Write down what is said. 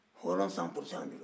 hɔrɔn sapurusanw don